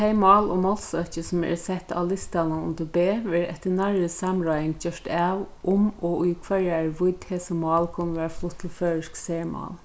tey mál og málsøki sum eru sett á listanum undir b verður eftir nærri samráðing gjørt av um og í hvørjari vídd hesi mál kunnu verða flutt til føroysk sermál